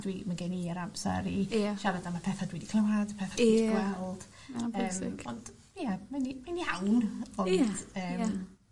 Dwi ma' gen i yr amser i... Ia. ...siarad am y petha dwi 'di clywad petha... Ia. ...dwi 'di gweld. Ma'n bwysig. Yym ond ia ma'n u- fi'n iawn ond... Ia ia. yym.